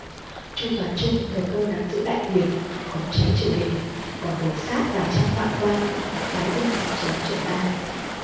chu toàn trung thừa cơ nắm giữ đại quyền khống chế triều đình còn đồ sát vài trăm hoạn quan phái binh khống chế trường an